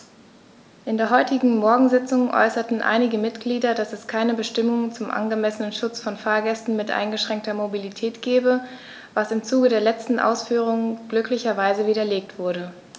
In der heutigen Morgensitzung äußerten einige Mitglieder, dass es keine Bestimmung zum angemessenen Schutz von Fahrgästen mit eingeschränkter Mobilität gebe, was im Zuge der letzten Ausführungen glücklicherweise widerlegt wurde.